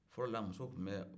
fɔlɔla muso kun bɛ